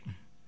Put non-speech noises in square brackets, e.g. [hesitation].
[hesitation] [hesitation]